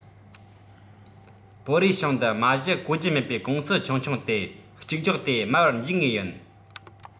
པོ རུའེ ཞང འདི མ གཞི གོ རྒྱུ མེད པའི ཀུང སི ཆུང ཆུང དེ གཅིག སྒྱོགས དེ དམར བ འཇུག ངེས ཡིན